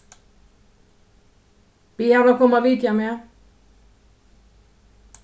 bið hana koma at vitja meg